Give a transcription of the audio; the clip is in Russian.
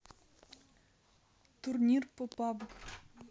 турнир по пабг